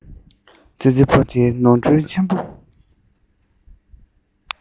ཙི ཙི ཕོ དེ ནོར འཁྲུལ ཆེན པོ